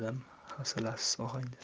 dedi dadam hafsalasiz ohangda